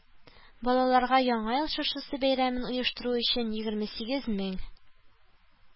Балаларга яңа ел чыршысы бәйрәмен оештыру өчен егерме сигез мең